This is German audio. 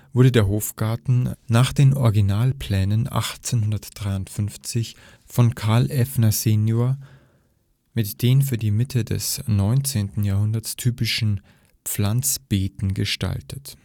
wurde der Hofgarten nach den Originalplänen (1853) von Carl Effner sen. mit den für die Mitte des 19. Jahrhunderts typischen Pflanzbeeten gestaltet